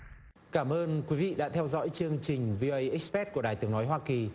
cảm ơn quý vị đã theo dõi chương trình vi ây ích pét của đài tiếng nói hoa kỳ